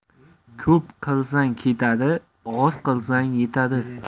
ko'p qilsang ketadi oz qilsang yetadi